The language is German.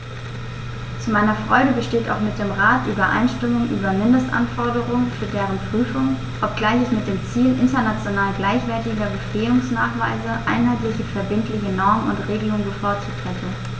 Zu meiner Freude besteht auch mit dem Rat Übereinstimmung über Mindestanforderungen für deren Prüfung, obgleich ich mit dem Ziel international gleichwertiger Befähigungsnachweise einheitliche verbindliche Normen und Regelungen bevorzugt hätte.